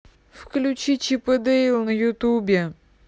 включи чип и дейл на ютубе